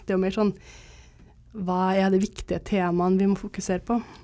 det er jo mer sånn hva er de viktige temaene vi må fokusere på.